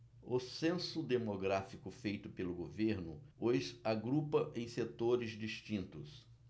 o censo demográfico feito pelo governo os agrupa em setores distintos